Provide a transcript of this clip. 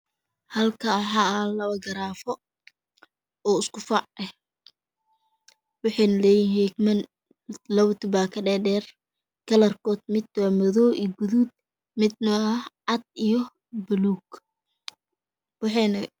Halkaan waxaa aalo labo garaafo dheedheer oo isku fac ah waxayna leeyihiin riigman labotubako dheedheer kalarkood mid waa madoow iyo guduud midna waa cad iyo buluug